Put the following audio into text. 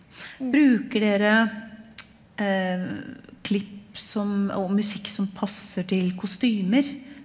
bruker dere klipp som og musikk som passer til kostymer?